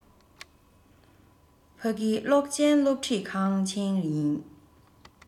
ཕ གི གློག ཅན སློབ ཁྲིད ཁང ཆེན ཡིན